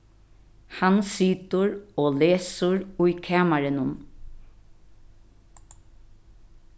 hann situr og lesur í kamarinum